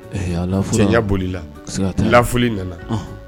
Ee a lafula, cɛɲɛ bolila, siga t'a la, lafuli nana